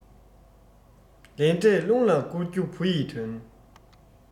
ལས འབྲས རླུང ལ བསྐུར རྒྱུ བུ ཡི དོན